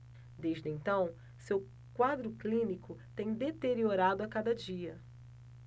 desde então seu quadro clínico tem deteriorado a cada dia